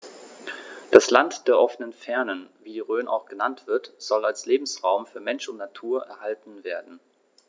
Das „Land der offenen Fernen“, wie die Rhön auch genannt wird, soll als Lebensraum für Mensch und Natur erhalten werden.